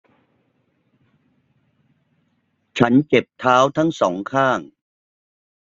ฉันเจ็บเท้าทั้งสองข้าง